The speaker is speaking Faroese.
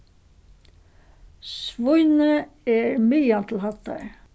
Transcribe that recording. svínoy er miðal til hæddar